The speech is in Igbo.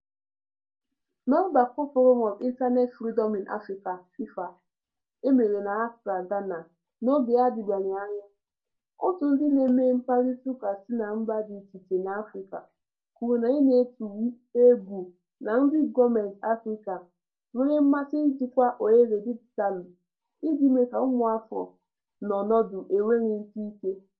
N'ọgbakọ Forum of Internet Freedom in Africa (FIFA) e mere na Accra, Ghana n'oge n'adịbeghị anya, òtù ndị na-eme mkparịtaụka si mba dị icheiche n'Afrịka kwuru na ha na-atụ egwu na ndị gọọmentị Afrịka nwere mmasị ijikwa ohere dijitalụ iji mee ka ụmụafọ nọrọ n'ọnọdụ enweghị ikike.